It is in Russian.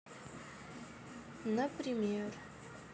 например